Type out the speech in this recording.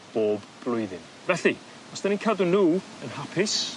bob blwyddyn felly os 'dan ni'n cadw n'w yn hapus